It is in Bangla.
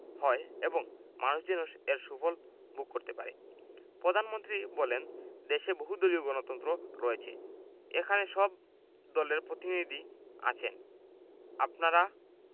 হয় এবং মানুষ যেন এর সুফল ভোগ করতে পারেন প্রধানমন্ত্রী বলেন দেশে বহুদলীয় গণতন্ত্র রয়েছে এখানে সব দলের প্রতিনিধি আছেন আপনারা